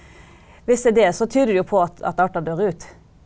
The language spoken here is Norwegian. hvis det er det så tyder det jo på at at arter dør ut.